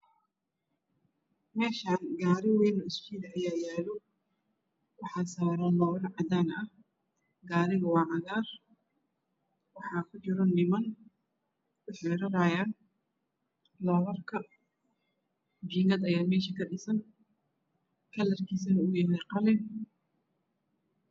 Meshaan gaari ween oo isjiid ah ayaa yalo waxaa maraayo baabuur cadaana h gariga waa cagaar waxaa ku jira n8man waxey rarayaan jingad ayaa meesha kadhisan kalarkiisan uyahy qalin